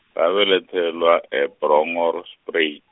ngabelethelwa e- Bronkhorstsprui-.